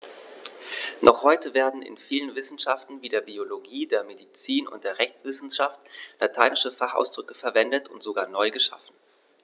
Noch heute werden in vielen Wissenschaften wie der Biologie, der Medizin und der Rechtswissenschaft lateinische Fachausdrücke verwendet und sogar neu geschaffen.